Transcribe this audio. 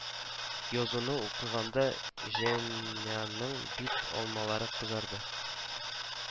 Язуны укыганда Женяның бит алмалары кызарды